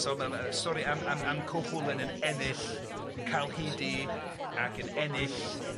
So ma' yy stori am am am Cylchwlyn yn ennill, ca'l hyd i ac yn ennill